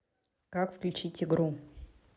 как включить игру